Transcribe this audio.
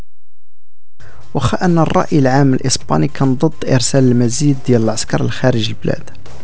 وخان الراي العام الاسباني كم ضد يرسل المزيد يلا سكر الخارجي البلاد